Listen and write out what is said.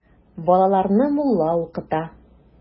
Балаларны мулла укыта.